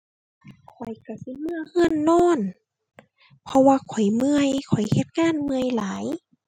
ข้อยก็สิเมือก็นอน เพราะว่าข้อยเมื่อย ข้อยเฮ็ดงานเมื่อยหลาย